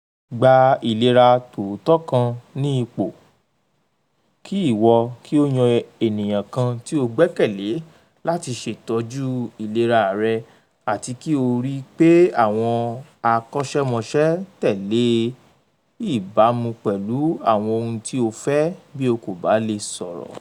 Gba ìlera tótọ́ kan ní ipò kí ìwọ kí o yan ènìyàn kan tí o gbẹ́kẹ̀lé láti ṣètọ́jú ìlera rẹ àti kí o ri pé àwọn akọ́ṣẹ́mọṣẹ́ tẹ̀lé e ìbamu pẹ̀lú àwọn ohun tí o fẹ́ bí o kò bá lẹ̀ sòrò.